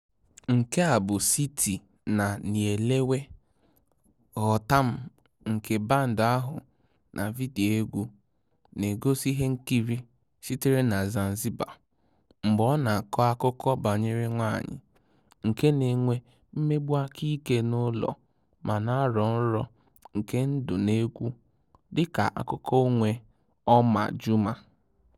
Nke a bụ Siti na "Nielewe" ("Ghọta M") nke Band ahụ na vidiyo egwu, na-egosi ihe nkiri sitere na Zanzibar mgbe ọ na-akọ akụkọ banyere nwaanyị nke na-enwe mmegbu aka ike n'ụlọ ma na-arọ nrọ nke ndụ na egwu, dịka akụkọ onwe Omar Juma: